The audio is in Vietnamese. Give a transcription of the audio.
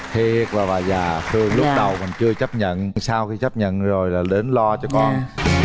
thiệt là bà già từ lúc đầu còn chưa chấp nhận sau khi chấp nhận rồi là đến lo cho con